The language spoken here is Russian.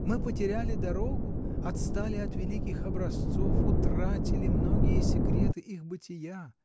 Мы потеряли дорогу, отстали от великих образцов, утратили многие секреты их бытия.